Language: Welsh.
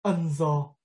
ynddo